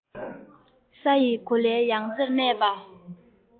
ས ཡི གོ ལའི ཡང རྩེར གནས པ